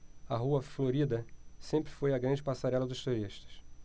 a rua florida sempre foi a grande passarela dos turistas